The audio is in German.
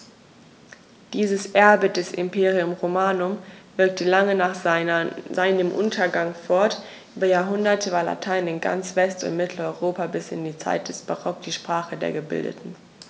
Dieses Erbe des Imperium Romanum wirkte lange nach seinem Untergang fort: Über Jahrhunderte war Latein in ganz West- und Mitteleuropa bis in die Zeit des Barock die Sprache der Gebildeten.